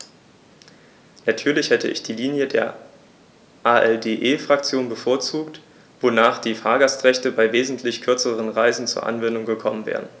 Natürlich hätte ich die Linie der ALDE-Fraktion bevorzugt, wonach die Fahrgastrechte bei wesentlich kürzeren Reisen zur Anwendung gekommen wären.